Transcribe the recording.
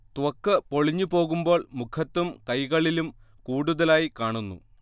ത്വക്ക് പൊളിഞ്ഞു പോകുമ്പോൾ മുഖത്തും കൈകളിലും കൂടുതലായി കാണുന്നു